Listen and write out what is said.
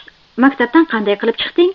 maktabdan qanday qilib chiqding